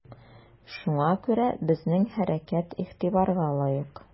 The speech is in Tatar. Шуңа күрә безнең хәрәкәт игътибарга лаек.